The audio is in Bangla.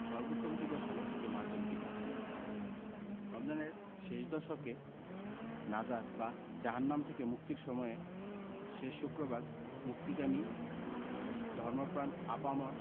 সর্বোত্তম দিবস হলো জুমাতুল বিদা রমজানের শেষ দশকে নাজাত বা জাহান্নাম থেকে মুক্তির সময়ে শেষ শুক্রবারে মুক্তিকামী ধর্মপ্রাণ আপামর